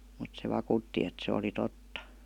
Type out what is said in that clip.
mutta se vakuutti että se oli totta